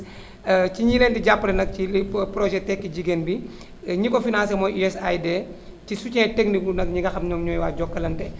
ci ñi leen di jàppale nag ci projet tekki jigéen bi ñi ko financé mooy USAID ci soutien technique gu nag éni nga xam ñoom ñooy waa Jokalante